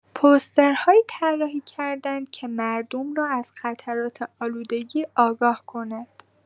پوسترهایی طراحی کردند که مردم را از خطرات آلودگی آگاه کند.